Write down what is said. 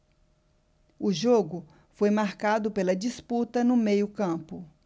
o jogo foi marcado pela disputa no meio campo